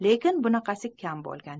lekin bunaqasi kam bo'lgan